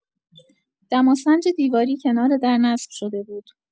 دماسنج دیواری کنار در نصب شده بود.